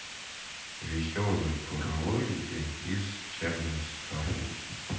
веселые паровозики из чаггинстон